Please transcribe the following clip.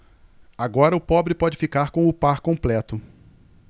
agora o pobre pode ficar com o par completo